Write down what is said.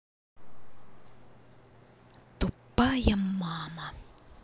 тупая мама